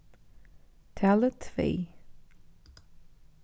talið tvey